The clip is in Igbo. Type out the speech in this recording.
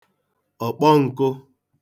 ọ̀kpọ n̄kụ̄